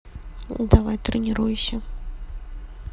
давай тренируйся